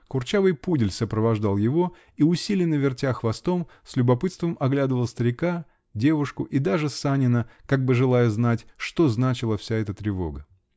Курчавый пудель сопровождал его и, усиленно вертя хвостом, с любопытством оглядывал старика, девушку и даже Санина -- как бы желая знать, что значила вся эта тревога ?